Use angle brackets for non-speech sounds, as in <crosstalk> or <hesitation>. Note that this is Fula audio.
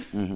<hesitation> <hesitation>